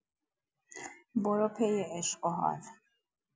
برو پی عشق و حال